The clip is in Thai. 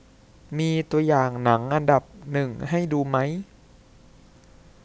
มีตัวอย่างหนังอันดับหนึ่งให้ดูไหม